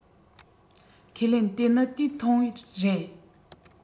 ཁས ལེན དེ ནི དུས ཐུང རེད